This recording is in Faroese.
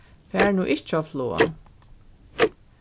far nú ikki á flog